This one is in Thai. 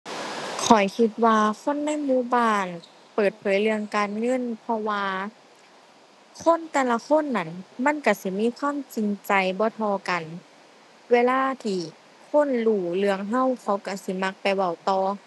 ข้อยคิดว่าคนในหมู่บ้านเปิดเผยเรื่องการเงิน เพราะว่าคนแต่ละคนนั้นมันก็สิมีความจริงใจบ่เท่ากัน เวลาที่คนรู้เรื่องก็เขาก็สิมักไปเว้าต่อ